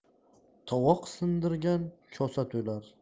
tovoq sindirgan kosa to'lar